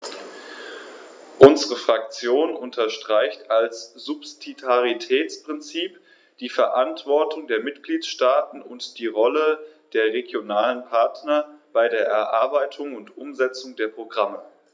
Unsere Fraktion unterstreicht das Subsidiaritätsprinzip, die Verantwortung der Mitgliedstaaten und die Rolle der regionalen Partner bei der Erarbeitung und Umsetzung der Programme.